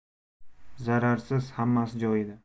zararsiz hammasi joyida